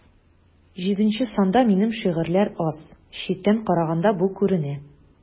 Җиденче санда минем шигырьләр аз, читтән караганда бу күренә.